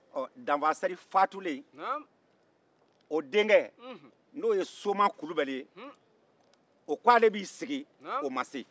ɔ danfasɛri faatulen o denkɛ n'o ye soma kulubali ye o ko ale b'i sigi o ma se